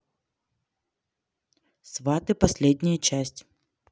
сваты последняя часть